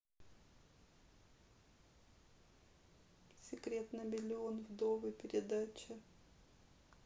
секрет на миллион вдовы передача